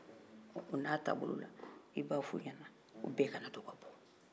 ɔ o n'a taabolo la i b' a f'u ɲɛna u bɛɛ kana bɔ